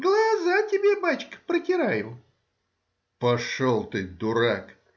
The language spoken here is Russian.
— Глаза тебе, бачка, протираю. — Пошел ты, дурак.